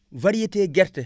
variété gerte